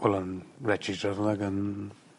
wel yn ag yn